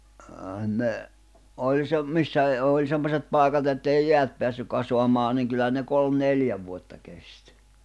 ei ne oli se missä - oli semmoiset paikat että ei jäät päässyt kasaamaan niin kyllä ne kolme neljä vuotta kesti